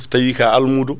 so tawi ka almodo